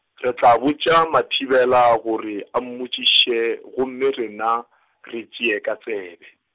re tla botša Mathibela gore a mmotšiše gomme rena, re tšee ka tsebe.